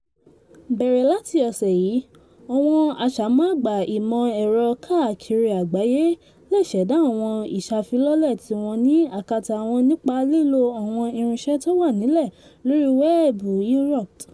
Bẹ́rẹ̀ láti ọ̀ṣẹ̀ yìí, àwọn aṣàmúàgbà ìmọ̀ ẹ̀rọ káàkiri àgbáyé le ṣẹ̀dá àwọn ìṣàfilọ́lẹ̀ tiwọ́n ní àkàtà wọ́n nípa lílo àwọn irínṣẹ́ tó wà nílẹ̀ lórí wẹ́ẹ̀bù Inrupt.